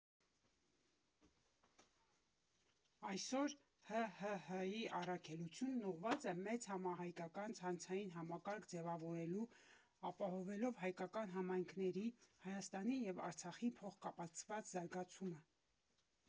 Այսօր ՀՀՀ֊ի առաքելությունն ուղղված է մեծ համահայկական ցանցային համակարգ ձևավորելու՝ ապահովելով հայկական համայնքների, Հայաստանի և Արցախի փոխկապակցված զարգացումը։